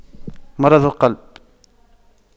مرض القلب